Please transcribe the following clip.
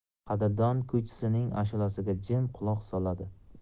qadrdon kuychisining ashulasiga jim quloq soladi